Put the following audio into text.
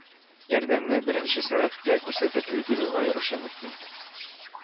Ярдәмне беренче сәгатьтә күрсәтеп өлгерү аеруча мөһим